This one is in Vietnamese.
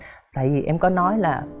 tại vì em có nói là